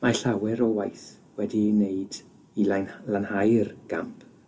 Mae llawer o waith wedi'i wneud i lain- lanhau'r gamp